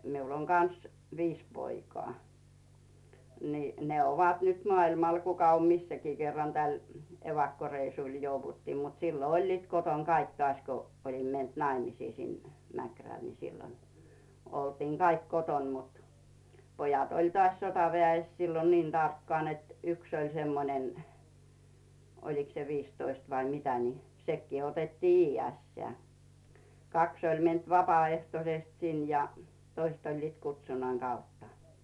minulla on kanssa viisi poikaa niin ne ovat nyt maailmalla kuka on missäkin kerran tälle evakkoreissulle jouduttiin mutta silloin olivat kotona kaikki taas kun olin mennyt naimisiin sinne Mäkrälle niin silloin oltiin kaikki kotona mutta pojat oli taas sotaväessä silloin niin tarkkaan että yksi oli semmoinen olikos se viisitoista vai mitä niin sekin otettiin iästään kaksi oli mennyt vapaaehtoisesti sinne ja toiset olivat kutsunnan kautta